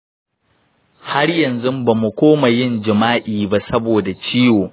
har yanzu ba mu koma yin jima’i ba saboda ciwo.